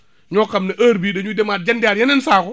ñoo xam ne heure bii dañuy demaat jëndaat yeneen saako